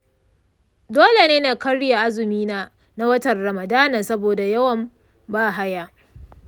dole na karya azumina na watan ramadana saboda yawan bahaya.